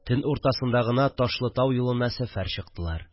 Төн уртасында гына Ташлытау юлына сәфәр чыктылар